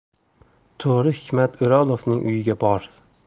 to'g'ri hikmat o'rolovning uyiga bor